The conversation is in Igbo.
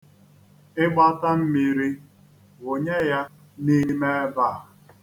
Ị gbata mmiri, wụnye ya n'ime ebe a.